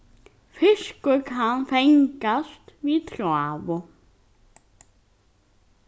fiskur kann fangast við tráðu